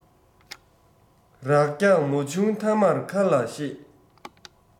རགས རྒྱག མ བྱུང མཐའ མར མཁར ལ གཤེད